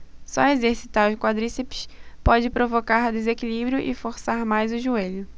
só exercitar o quadríceps pode provocar desequilíbrio e forçar mais o joelho